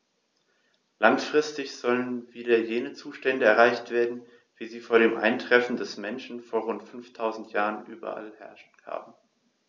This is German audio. Langfristig sollen wieder jene Zustände erreicht werden, wie sie vor dem Eintreffen des Menschen vor rund 5000 Jahren überall geherrscht haben.